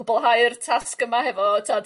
cwbwlhau'r tasg yma hefo t'od